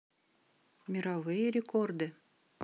мировые рекорды